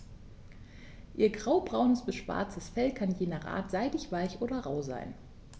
Ihr graubraunes bis schwarzes Fell kann je nach Art seidig-weich oder rau sein.